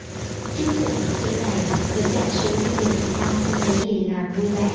trước nguồn thông tin này nữ đại sứ du lịch việt nam không lấy gì làm vui vẻ